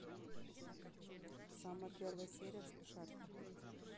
самая первая серия в смешариках